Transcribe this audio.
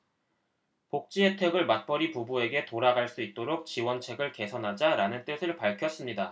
복지혜택을 맞벌이 부부에게 돌아갈 수 있도록 지원책을 개선하자 라는 뜻을 밝혔습니다